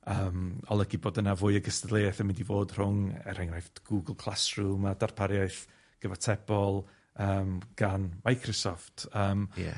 yym olygu bod yna fwy o gystadleuaeth yn mynd i fod rhwng, er enghraifft, Google Classroom a darpariaeth gyfatebol yym gan Microsoft, yym. Ie.